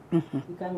Unhun